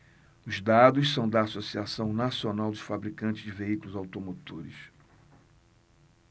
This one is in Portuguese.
os dados são da anfavea associação nacional dos fabricantes de veículos automotores